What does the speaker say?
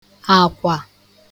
àkwà